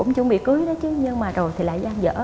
cũng chuẩn bị cưới đó chứ nhưng mà đầu thì lại dang dở